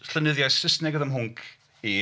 Llenyddiaeth Saesneg oedd mhwnc i.